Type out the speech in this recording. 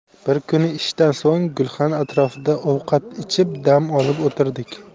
bir kun ishdan so'ng gulxan atrofida ovqat ichib dam olib o'tirdik